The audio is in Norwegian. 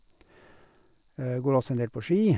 Jeg går også en del på ski.